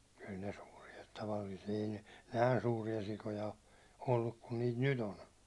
kyllä ne suuria tavallisia ei ne näin suuria sikoja ole ollut kuin niitä nyt on